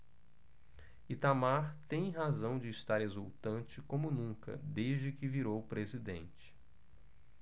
itamar tem razão de estar exultante como nunca desde que virou presidente